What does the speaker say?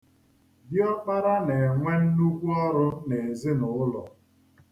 Diọkpara na-enwe nnukwu ọrụ n'ezinaụlọ.